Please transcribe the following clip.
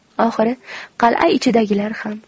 oxiri qala ichidagilar ham